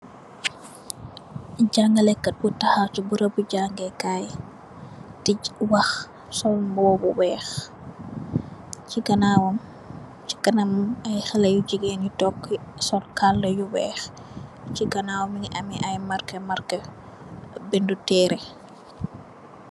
Jañgale kat bu taxaw si bërëbu jañgale kaay, di wax sol mbuba bu weex, ci ganaawam, kanamam, ay xalé yu jigéen, toog sol kaala yu weex, ci ganaaw, mu ngi am ay marke marke bindë tëré.